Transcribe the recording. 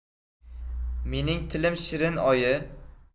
mening tilim shirin oyi